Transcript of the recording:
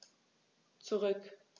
Zurück.